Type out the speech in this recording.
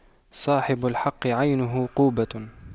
صاحب الحق عينه قوية